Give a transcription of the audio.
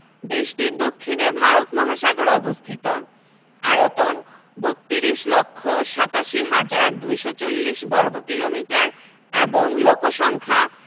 দেশটির দক্ষিণে ভারত মহাসাগর অবস্থিত আয়তন ৩২ লক্ষ ৮৭ হাজার ২৪০ বর্গ কিমি এবং লোক সংখ্যা